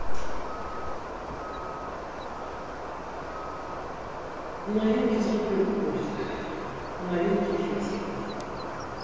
новинки супер ультра новинки фиксиков